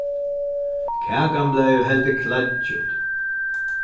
kakan bleiv heldur kleiggjut